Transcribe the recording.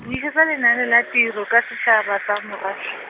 buisetsa lenaane la tiro ka setshaba sa Morafe.